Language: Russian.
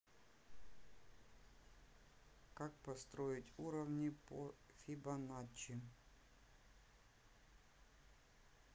как построить уровни по фибоначчи